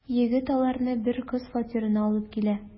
Егет аларны бер кыз фатирына алып килә.